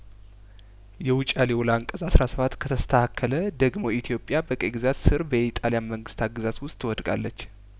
የውጫሌ ውል አንቀጽ አስራ ሰባት ከተስተካከለ ደግሞ ኢትዮጵያ በቅኝ ግዛት ስር በጣሊያን መንግስት አገዛዝ ውስጥ ትወድ ቃለች